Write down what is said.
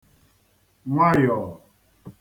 nwayọ̀ọ̀